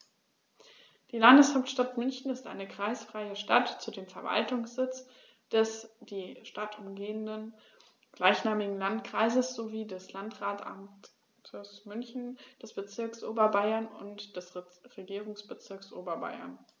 Die Landeshauptstadt München ist eine kreisfreie Stadt, zudem Verwaltungssitz des die Stadt umgebenden gleichnamigen Landkreises sowie des Landratsamtes München, des Bezirks Oberbayern und des Regierungsbezirks Oberbayern.